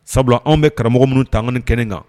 Sabula anw bɛ karamɔgɔ minnu tan kɛnɛ kan